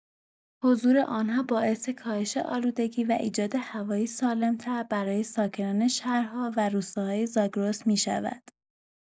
حضور آنها باعث کاهش آلودگی و ایجاد هوایی سالم‌تر برای ساکنان شهرها و روستاهای زاگرس می‌شود.